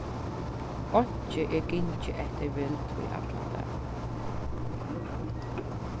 einki er gingið eftir vild í allan dag